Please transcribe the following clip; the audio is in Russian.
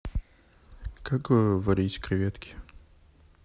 как варить креветки